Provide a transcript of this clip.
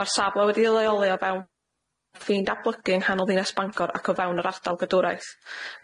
Ma'r safle wedi'i leoli o fewn ffîn datblygu yng nghanol ddinas Bangor ac o fewn yr ardal gadwraeth.